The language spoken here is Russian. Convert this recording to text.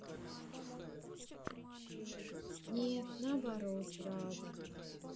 нет наборот рада